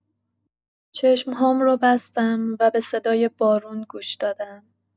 چشم‌هام رو بستم و به صدای بارون گوش دادم.